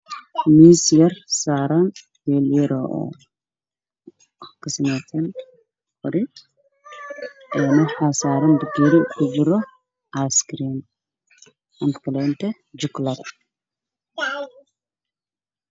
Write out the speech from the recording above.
Waa miis waxaa saaran koob waxaa ku jiro jalaato askariin ah oo midabkeedu yahay madow